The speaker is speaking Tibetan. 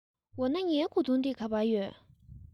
འོ ན ངའི གོས ཐུང དེ ག པར ཡོད